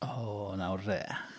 O, nawr de.